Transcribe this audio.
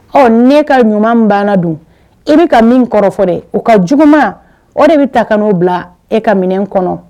Ɔ ne ka ɲuman banna don e bɛ ka min kɔrɔfɔ dɛ u ka juguman o de bɛ ta kan'o bila e ka minɛn kɔnɔ